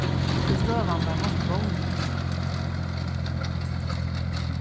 tí støðan var heilt vónleys